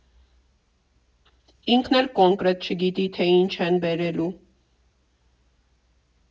Ինքն էլ կոնկրետ չգիտի, թե ինչ են բերելու։